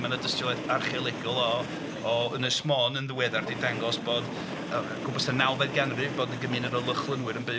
Ma' 'na dystiolaeth archeolegol o o Ynys Môn yn ddiweddar 'di dangos bod yy gwmpas y nawfed ganrif bod 'na gymuned o lychlynwyr yn byw.